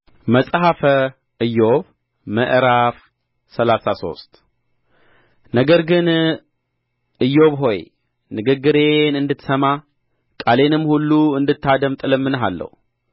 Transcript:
መጽሐፈ ኢዮብ ምዕራፍ ሰላሳ ሶስት ነገር ግን ኢዮብ ሆይ ንግግሬን እንድትሰማ ቃሌንም ሁሉ እንድታደምጥ እለምንሃለሁ